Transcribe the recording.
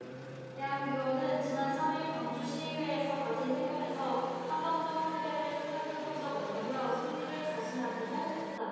양 위원은 지난 삼 일 광주시의회에서 가진 회견에서 한번도 패배를 생각해 본 적 없다며 승리를 자신하기도 했다